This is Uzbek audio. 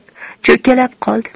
cho'kkalab qoldi